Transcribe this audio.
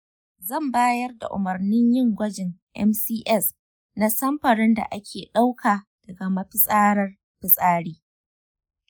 zan bayar da umarnin yin gwajin mcs na samfurin da aka ɗauka daga mafitsarar fitsari.